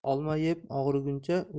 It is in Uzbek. olma yeb og'riguncha